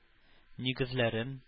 Нигезләрен